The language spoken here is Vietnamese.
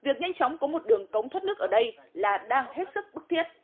việc nhanh chóng có một đường cống thoát nước ở đây là đang hết sức bức thiết